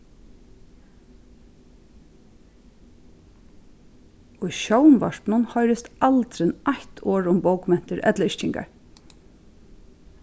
í sjónvarpinum hoyrist aldrin eitt orð um bókmentir ella yrkingar